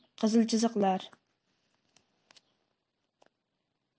qizil chiziqlar